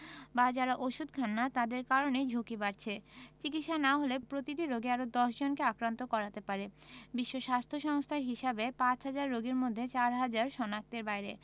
বা যারা ওষুধ খান না তাদের কারণেই ঝুঁকি বাড়ছে চিকিৎসা না হলে প্রতিটি রোগী আরও ১০ জনকে আক্রান্ত করাতে পারে বিশ্ব স্বাস্থ্য সংস্থার হিসেবে পাঁচহাজার রোগীর মধ্যে চারহাজার শনাক্তের বাইরে